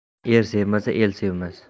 er sevmasa el sevmas